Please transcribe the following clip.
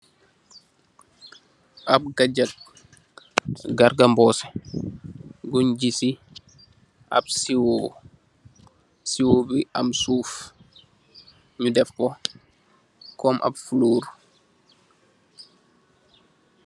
Ap kajab garga mbuse guun gi si ap siwo siwo bi am suuf nyu def ko kom ap flolor.